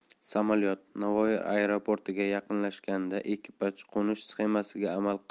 samolyot navoiy aeroportiga yaqinlashganida ekipaj qo'nish sxemasiga